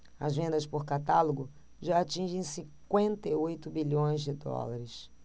as vendas por catálogo já atingem cinquenta e oito bilhões de dólares